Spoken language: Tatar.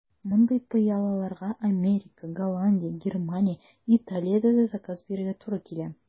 Мондый пыялаларга Америка, Голландия, Германия, Италиядә заказ бирергә туры килә.